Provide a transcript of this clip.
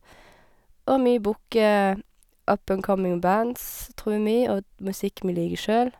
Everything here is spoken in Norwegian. Og vi booker up and coming bands, tror vi, og d musikk vi liker sjøl.